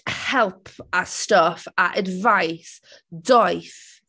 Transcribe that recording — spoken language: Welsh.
help a stwff a advice doeth.